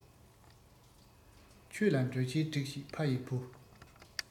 ཆོས ལ འགྲོ ཆས སྒྲིགས ཤིག ཕ ཡི བུ